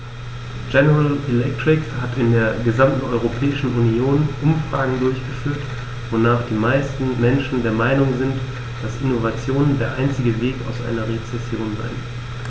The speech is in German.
General Electric hat in der gesamten Europäischen Union Umfragen durchgeführt, wonach die meisten Menschen der Meinung sind, dass Innovation der einzige Weg aus einer Rezession ist.